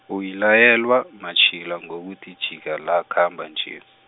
uyilayelwa matjhila ngokuthi jika la khamba nje.